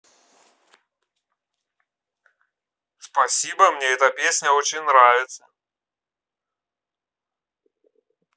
спасибо мне эта песня очень нравится